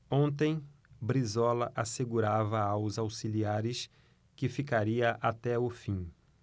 ontem brizola assegurava aos auxiliares que ficaria até o fim